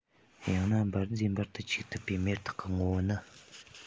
ཡང ན འབར རྫས སྦར དུ འཇུག ཐུབ པའི མེ སྟག གི ངོ བོ ནི